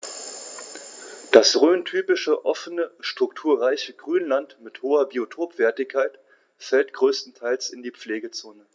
Das rhöntypische offene, strukturreiche Grünland mit hoher Biotopwertigkeit fällt größtenteils in die Pflegezone.